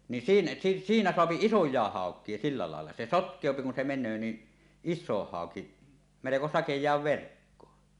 niin siinä siinä saa isojakin haukia sillä lailla se sotkeutuu kun se menee niin iso hauki melko sakeaan verkkoon